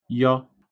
yọ